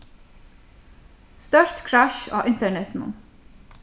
stórt krassj á internetinum